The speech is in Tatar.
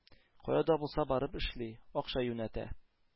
Кая да булса барып эшли, акча юнәтә.